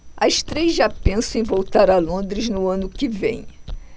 as três já pensam em voltar a londres no ano que vem